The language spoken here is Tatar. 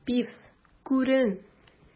Пивз, күрен!